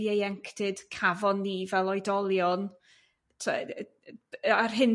ieuenctid cafon ni fel oedolion t'od yrr yrr ar hyn